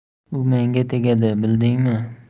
u menga tegadi bildingmi